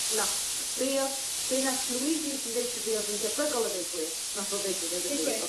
nath b- be' o'dd be' nath Louise Newson deu' 'tho fi o'dd yn debygol o ddigwydd nath o ddigwydd iddo fi...